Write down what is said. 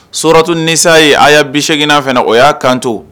Souratoul nisahi aya 80 fana o y'a kanto